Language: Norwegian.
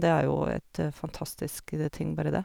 Det er jo et fantastisk ting, bare det.